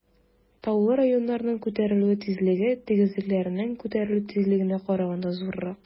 Таулы районнарның күтәрелү тизлеге тигезлекләрнең күтәрелү тизлегенә караганда зуррак.